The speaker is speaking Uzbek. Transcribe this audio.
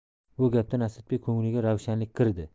bu gapdan asadbek ko'ngliga ravshanlik kirdi